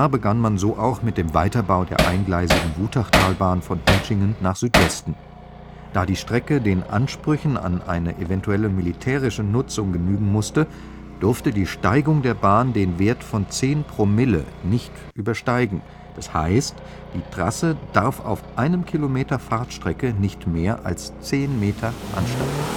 begann man so auch mit dem Weiterbau der eingleisigen Wutachtalbahn von Hintschingen nach Südwesten. Da die Strecke den Ansprüchen an eine eventuelle militärische Nutzung genügen musste, durfte die Steigung der Bahn den Wert von zehn Promille nicht übersteigen; das heißt, die Trasse darf auf einem Kilometer Fahrtstrecke nicht mehr als zehn Meter ansteigen